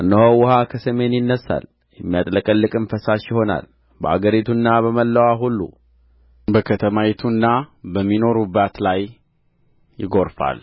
እነሆ ውኃ ከሰሜን ይነሣል የሚያጥለቀልቅም ፈሳሽ ይሆናል በአገሪቱና በመላዋ ሁሉ በከተማይቱና በሚኖሩባት ላይ ይጐርፋል